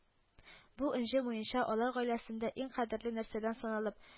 Бу энҗе муенча алар гаиләсендә иң кадерле нәрсәдән саналып